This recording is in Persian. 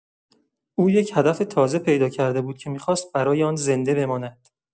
او یک هدف تازه پیدا کرده بود که می‌خواست برای آن زنده بماند.